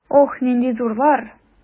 Ох, нинди зурлар!